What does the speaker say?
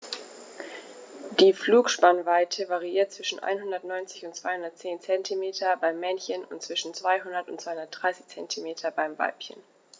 Die Flügelspannweite variiert zwischen 190 und 210 cm beim Männchen und zwischen 200 und 230 cm beim Weibchen.